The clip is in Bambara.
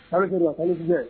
Haliseke la hali jumɛn